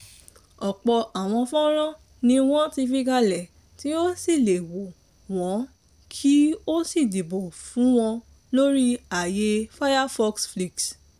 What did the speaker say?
Ọ̀pọ̀ àwọn fọ́nrán ni wọ́n ti fi kalẹ̀, tí o sì le wò wọ́n kí o sì dìbò fún wọn lórí àyè Firefox Flicks.